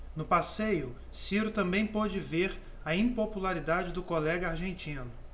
no passeio ciro também pôde ver a impopularidade do colega argentino